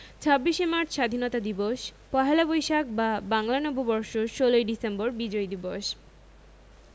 ২৬শে মার্চ স্বাধীনতা দিবস পহেলা বৈশাখ বা বাংলা নববর্ষ ১৬ই ডিসেম্বর বিজয় দিবস